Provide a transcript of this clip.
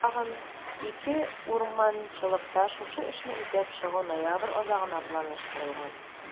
Тагын 2 урманчылыкта шушы эшне үтәп чыгу ноябрь азагына планлаштырылган.